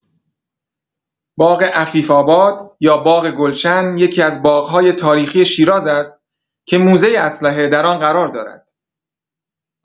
باغ عفیف‌آباد یا باغ گلشن، یکی‌از باغ‌های تاریخی شیراز است که موزه اسلحه در آن قرار دارد.